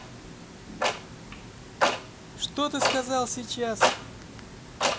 что ты сказал сейчас